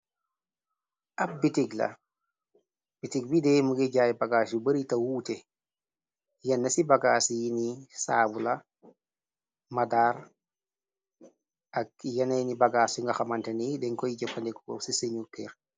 ab bitig la bitig bidee mu ngi jaay bagaas yu bari ta wuute yenn ci bagaas yini saabu la madaar ak yeney ni bagaas yu nga xamante ni denkoy jëfandekoo ci sañu kix